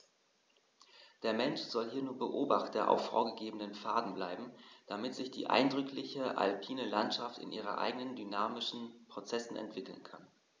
Der Mensch soll hier nur Beobachter auf vorgegebenen Pfaden bleiben, damit sich die eindrückliche alpine Landschaft in ihren eigenen dynamischen Prozessen entwickeln kann.